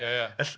Ie, ie.